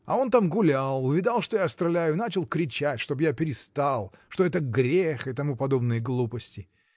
А он там гулял: увидал, что я стреляю, и начал кричать, чтоб я перестал, что это грех, и тому подобные глупости.